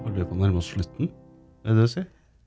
jeg bare lurer på om vi nærmer oss slutten er det å si?